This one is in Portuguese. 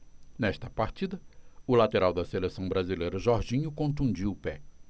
nesta partida o lateral da seleção brasileira jorginho contundiu o pé